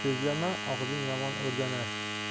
so'zlama og'zing yomon o'rganar